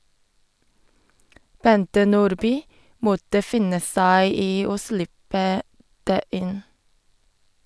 Bente Nordby måtte finne seg i å slippe det inn.